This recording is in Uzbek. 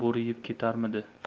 bo'ri yeb ketarmidi